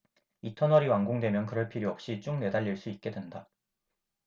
이 터널이 완공되면 그럴 필요 없이 쭉 내달릴 수 있게 된다